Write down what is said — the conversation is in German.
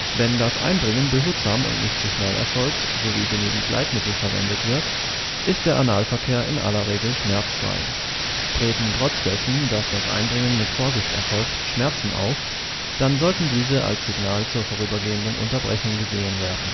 Wenn das Eindringen behutsam und nicht zu schnell erfolgt sowie genügend Gleitmittel verwendet wird, ist der Analverkehr in aller Regel schmerzfrei. Treten trotz dessen, dass das Eindringen mit Vorsicht erfolgt, Schmerzen auf, dann sollten diese als Signal zur vorübergehenden Unterbrechung gesehen werden